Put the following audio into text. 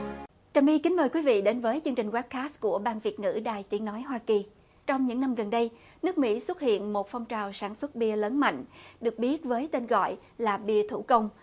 trà my kính mời quý vị đến với chương trình quép cát của bang việt ngữ đài tiếng nói hoa kỳ trong những năm gần đây nước mỹ xuất hiện một phong trào sản xuất bia lớn mạnh được biết với tên gọi là bia thủ công